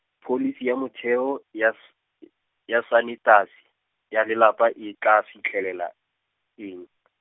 pholisi ya motheo, ya s- y-, ya sanetasi, ya lelapa e tla fitlhelela, eng ?